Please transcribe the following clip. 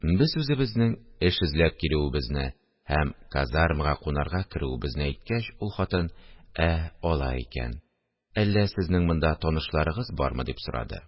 Без үзебезнең эш эзләп килүебезне һәм казармага кунарга керүебезне әйткәч, ул хатын: – Ә, алай икән! Әллә сезнең монда танышларыгыз бармы? – дип сорады